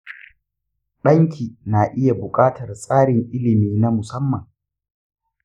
ɗan ki na iya buƙatar tsarin ilimi na musamman.